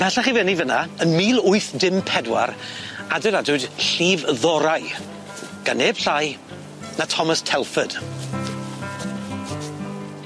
Yn pellach i fyny fyn 'na, yn mil wyth dim pedwar adeiladwyd llif ddorau, gan neb llai na Thomas Telford.